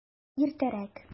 Иртәрәк!